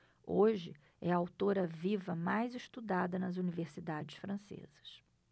hoje é a autora viva mais estudada nas universidades francesas